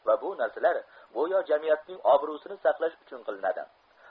va bu narsalar go'yo jamiyatimizning obro'sini saqlash uchun qilinadi